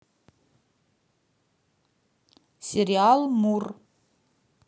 сериал мур